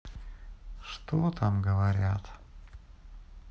что там говорит